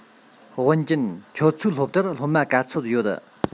ཝུན ཅུན ཁྱོད ཚོའི སློབ གྲྭར སློབ མ ག ཚོད ཡོད